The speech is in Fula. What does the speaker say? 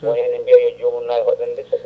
tawa eɗen mbiya yo jomum nat hoɗande taw